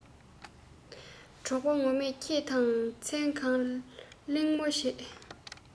གྲོགས པོ ངོ མས ཁྱེད དང མཚན གང གླེང མོལ བྱས